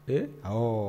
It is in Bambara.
Ee ɔɔ